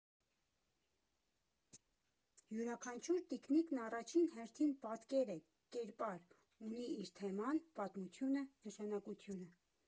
Յուրաքանչյուր տիկնիկն առաջին հերթին պատկեր է, կերպար, ունի իր թեման, պատմությունը, նշանակությունը։